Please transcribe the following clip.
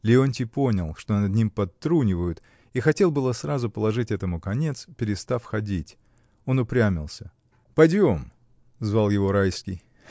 Леонтий понял, что над ним подтрунивают, и хотел было сразу положить этому конец, перестав ходить. Он упрямился. — Пойдем! — звал его Райский.